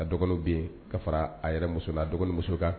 Dɔgɔnin ka fara a yɛrɛ muso la dɔgɔnin muso kan